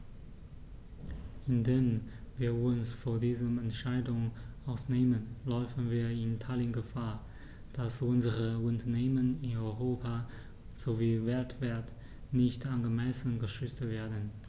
Indem wir uns von dieser Entscheidung ausnehmen, laufen wir in Italien Gefahr, dass unsere Unternehmen in Europa sowie weltweit nicht angemessen geschützt werden.